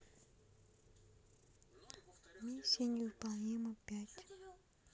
миссия невыполнима пять